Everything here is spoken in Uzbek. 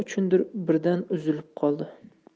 uchundir birdan uzilib qoldi